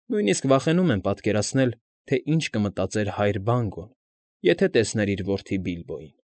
Նույնիսկ վախենում եմ պատկերացնել, թե ինչ կմտածեր հայր Բանգոն, եթե տեսներ իր որդի Բիլբոյին։